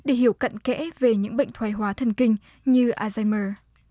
để hiểu cặn kẽ về những bệnh thoái hóa thần kinh như a day mờ